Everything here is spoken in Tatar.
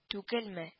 Түгелме